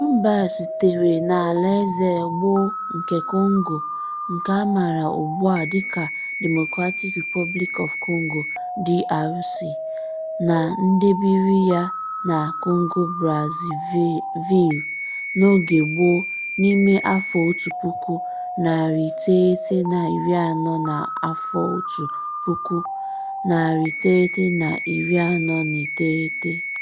Rhumba sitere n'alaeze gboo nke Kongo nke a maara ugba a dịka 'Democratic Republic of Congo' (DRC) na ndebiri ya na 'Congo-Brazzaville' n'oge gboo n'ime afọ otu puku, narị iteghete na iri anọ na afọ otu puku, narị iteghete na iri anọ na iteghete (1940s).